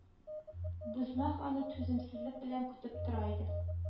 Бузмах аны түземсезлек белән көтеп тора иде